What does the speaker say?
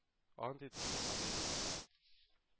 Ант итүче канлы сугышта?